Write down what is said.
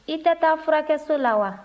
i tɛ taa furakɛso la wa